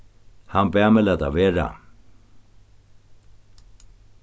hann bað meg lata vera